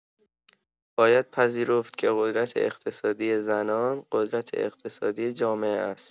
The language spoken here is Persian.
باید پذیرفت که قدرت اقتصادی زنان، قدرت اقتصادی جامعه است.